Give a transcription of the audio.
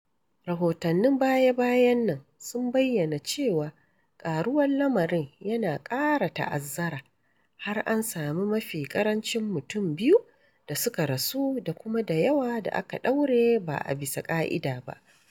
Rahotannin baya-bayan nan sun bayyana cewa "ƙaruwar lamarin" yana ƙara ta'azzara, har an sami mafi ƙarancin mutum biyu da suka rasu da kuma da yawa da aka ɗaure ba a bisa ƙa'ida ba.